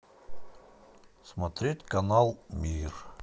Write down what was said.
смотреть канал мир